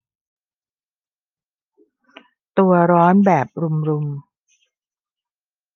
ตัวร้อนแบบรุมรุม